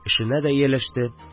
Эшенә дә ияләште.